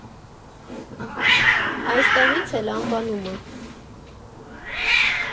Այստեղից էլ անվանումը։